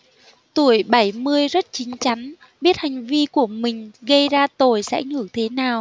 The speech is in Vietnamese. tuổi bảy mươi rất chín chắn biết hành vi của mình gây ra tội sẽ ảnh hưởng thế nào